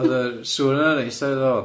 Oedd yr sŵn yna'n neis ti feddwl?